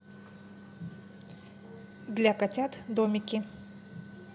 для котят домики